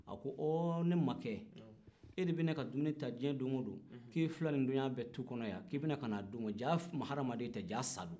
a ko ɔɔ ne makɛ e de bɛ ne ka dumuni diɲɛ don o don k'e filanitɔɲɔgɔn bɛ tu kɔnɔ yan k'i bɛ na dumuni d'o ma ja hadamaden tɛ ja sa don